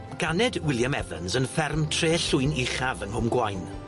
Ganed William Evans yn fferm Tre Llwyn Uchaf yng Nghwm Gwaun.